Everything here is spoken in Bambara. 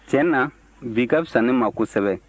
tiɲɛ na bi ka fisa ne ma kosɛbɛ